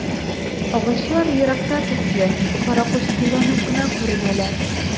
Агачлар еракта төсле каракучкылланып кына күренәләр.